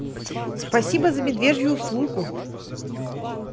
спасибо за медвежью услугу